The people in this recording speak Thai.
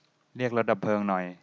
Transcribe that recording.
เรียกรถดับเพลิงหน่อย